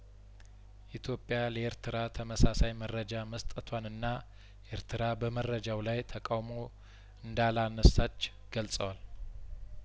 ኢትዮጵያ ለኤርትራ ተመሳሳይ መረጃ መስጠቷንና ኤርትራ በመረጃው ላይ ተቃውሞ እንዳላነሳች ገልጸዋል